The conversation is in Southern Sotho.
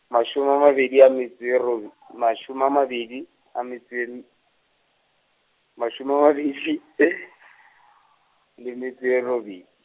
mashome a mabedi a metso e ro-, mashome a mabedi a metso m-, mashome a mabedi , le metso e robedi.